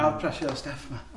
A pressure o'r Steff ma.